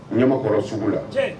Ɲamakɔrɔ sugu la. Tiɲɛ.